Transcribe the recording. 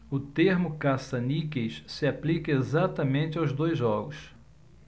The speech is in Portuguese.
o termo caça-níqueis se aplica exatamente aos dois jogos